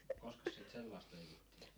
koskas sitä sellaista leikittiin